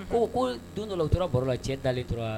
Ko ko don dɔ tora baro la cɛ dalenlen tora wa